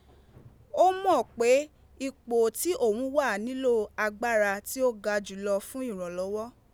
O mo pe ipo ti oun wa nilo agbara ti o ga julo fun iranlowo.